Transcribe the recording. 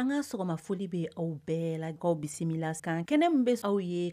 An ka sɔgɔma foli bɛ aw bɛɛ la bisimila la san kɛnɛ min bɛ se aw ye